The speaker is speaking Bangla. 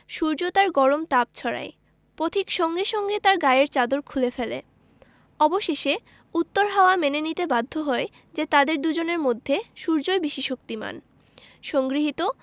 সূর্য তার গরম তাপ ছড়ায় পথিক সঙ্গে সঙ্গে তার গায়ের চাদর খুলে ফেলে অবশেষে উত্তর হাওয়া মেনে নিতে বাধ্য হয় যে তাদের দুজনের মধ্যে সূর্যই বেশি শক্তিমান সংগৃহীত